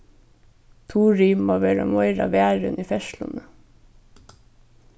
turið má vera meira varin í ferðsluni